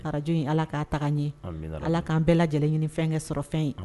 Kaj ala k'a taga n ɲɛ ala k'an bɛɛ lajɛlen ɲini fɛnkɛ sɔrɔ fɛn ye